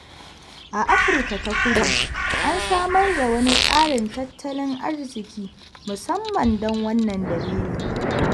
A Afirka ta Kudu, an samar da wani tsarin tattalin arziki musamman don wannan dalilin.